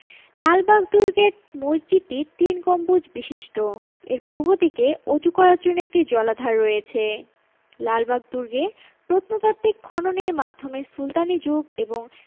লালবাগ দুর্গের মসজিদটি তিন গম্বুজ বিশিষ্ট এর পূর্বদিকে ওজু করার জন্য একটি জলাধার রয়েছে লালবাগ দুর্গে প্রত্নতাত্ত্বিক খননের মাধ্যমে সুলতানি যুগ এবং